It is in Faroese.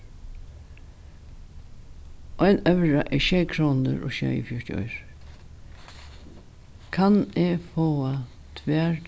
ein evra er sjey krónur og sjeyogfjøruti oyrur kann eg fáa tvær